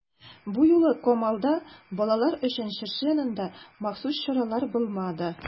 Бу юлы Камалда балалар өчен чыршы янында махсус чаралар булмады.